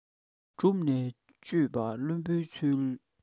གྲུབ ནས དཔྱོད པ བླུན པོའི ཚུལ